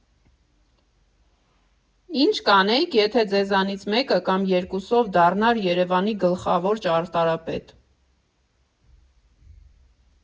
Ի՞նչ կանեիք, եթե ձեզանից մեկը, կամ երկուսով, դառնար Երևանի գլխավոր ճարտարապետ։